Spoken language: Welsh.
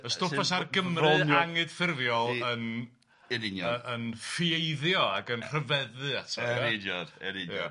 Y stwff fysa'r Gymru anghydffurfiol yn... Yn union ...yn ffieiddio ac yn rhyfeddu ato... Yn union, yn union... Ia.